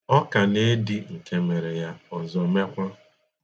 Ọ ka na-edi nke mere ya, ọzọ emekwa.